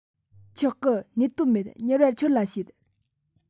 ཆོག གི གནད དོན མེད མྱུར བར ཁྱོད ལ བཤད